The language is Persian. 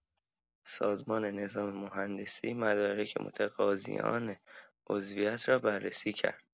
سازمان نظام مهندسی مدارک متقاضیان عضویت را بررسی کرد.